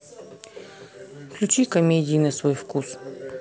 включи комедии на свой вкус